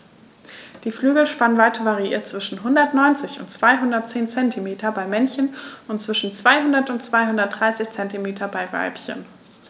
Die Flügelspannweite variiert zwischen 190 und 210 cm beim Männchen und zwischen 200 und 230 cm beim Weibchen.